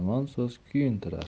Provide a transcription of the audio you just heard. yomon so'z kuyuntirar